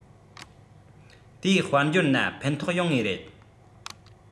དེའི དཔལ འབྱོར ན ཕན ཐོགས ཡོང ངེས རེད